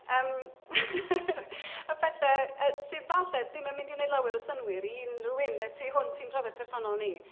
yym y pethe yy sy falle ddim yn mynd i wneud lawer o synwyr i unrhywun y tu hwnt i'n brofiad personol ni.